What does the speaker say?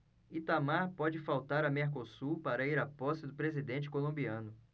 itamar pode faltar a mercosul para ir à posse do presidente colombiano